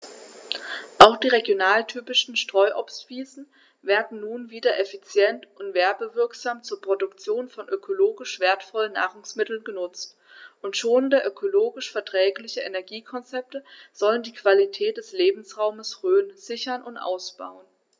Auch die regionaltypischen Streuobstwiesen werden nun wieder effizient und werbewirksam zur Produktion von ökologisch wertvollen Nahrungsmitteln genutzt, und schonende, ökologisch verträgliche Energiekonzepte sollen die Qualität des Lebensraumes Rhön sichern und ausbauen.